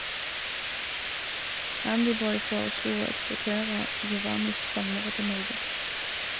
Andyboy foreslo å eksportere Yovanys samlere til Norge.